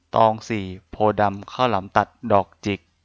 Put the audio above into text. ตองสี่โพธิ์ดำข้าวหลามตัดดอกจิก